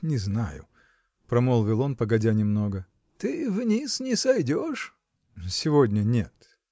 Не знаю, -- промолвил он, погодя немного. -- Ты вниз не сойдешь? -- Сегодня -- нет.